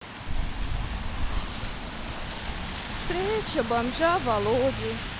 встреча бомжа володи